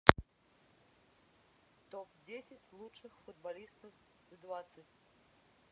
топ десять лучших футболистов в двадцать